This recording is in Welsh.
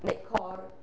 Neu côr...